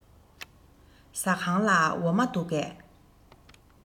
ཟ ཁང ལ འོ མ འདུག གས